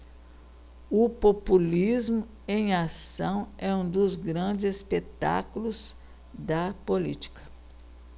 o populismo em ação é um dos grandes espetáculos da política